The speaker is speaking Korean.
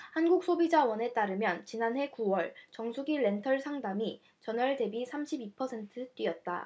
한국소비자원에 따르면 지난해 구 월 정수기렌털 상담이 전월대비 삼십 이 퍼센트 뛰었다